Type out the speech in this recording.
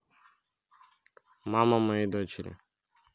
mama моей дочери